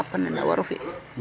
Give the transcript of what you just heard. xa saku pod neen war o fi,